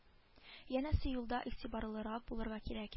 Янәсе юлда игътибарлырак булырга кирәк